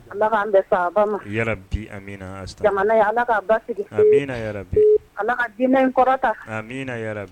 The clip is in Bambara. Ala an bɛ fa bi ala bi ala ka di kɔrɔta